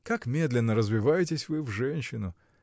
Как медленно развиваетесь вы в женщину!